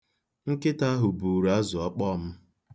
Nkịta ahụ buuru azụọkpọọ m.